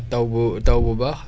taw bu taw bu baax